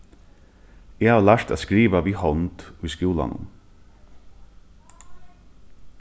eg havi lært at skriva við hond í skúlanum